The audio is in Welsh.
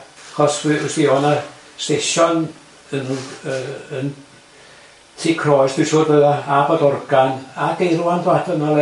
Achos wy- wst ti o'dd 'na sdesion yn yy yn Tŷ Croes dwi'n siŵr doedd? A Bodorgan a Gaerwan dŵad?